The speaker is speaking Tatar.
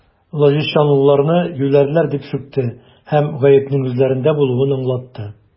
Лозищанлыларны юләрләр дип сүкте һәм гаепнең үзләрендә булуын аңлатты.